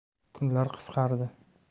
kunlar qisqardi